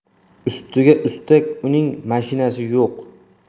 ustiga ustak uning mashinasi yo'q